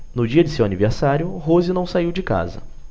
no dia de seu aniversário rose não saiu de casa